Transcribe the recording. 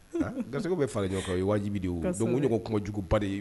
Gari bɛ fara jɔ kɔrɔ ye wajibi de ko ɲɔgɔn kungo juguba de ye